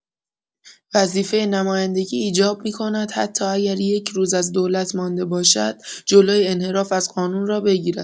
وظیفه نمایندگی ایجاب می‌کند حتی اگر یک روز از دولت مانده باشد، جلوی انحراف از قانون را بگیرد.